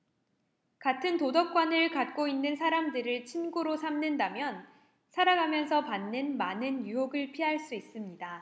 같은 도덕관을 갖고 있는 사람들을 친구로 삼는다면 살아가면서 받는 많은 유혹을 피할 수 있습니다